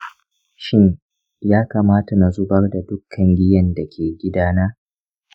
shin ya kamata na zubar da dukkan giyar da ke gidana?